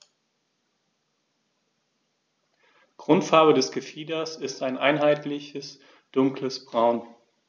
Grundfarbe des Gefieders ist ein einheitliches dunkles Braun.